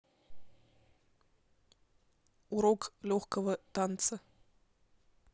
урок легкого танца